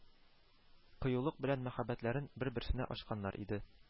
Кыюлык белән мәхәббәтләрен бер-берсенә ачканнар иде